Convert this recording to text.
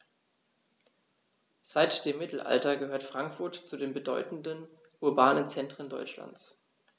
Seit dem Mittelalter gehört Frankfurt zu den bedeutenden urbanen Zentren Deutschlands.